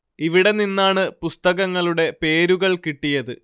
ഇവിടെ നിന്നാണ് പുസ്തകങ്ങളുടെ പേരുകൾ കിട്ടിയത്